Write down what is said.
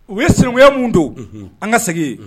U ye sinankuya mun don an ka segin yen